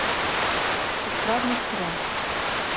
Исправник керә.